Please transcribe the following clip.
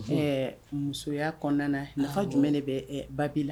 Ɛɛ musoya kɔnɔna na nafa jumɛn de bɛ babili la